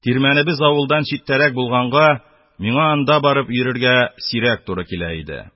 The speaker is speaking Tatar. Тирмәнебез авылдан читтәрәк булганга, миңа анда барып йөрергә сирәк туры килә иде.